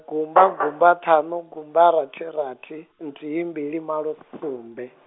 gumba gumba ṱhanu gumba rathi rathi, nthihi mbili malo sumbe.